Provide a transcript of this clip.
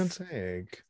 Digon teg.